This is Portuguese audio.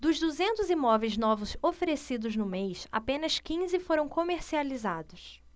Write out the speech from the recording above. dos duzentos imóveis novos oferecidos no mês apenas quinze foram comercializados